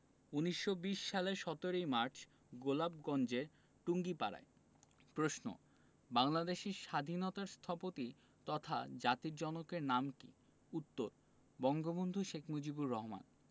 ১৯২০ সালে ১৭ মার্চ গোলাপগঞ্জে টুঙ্গিপাড়ায় প্রশ্ন বাংলাদেশে স্বাধীনতার স্থপতি তথা জাতির জনকের নাম কী উত্তর বঙ্গবন্ধু শেখ মুজিবুর রহমান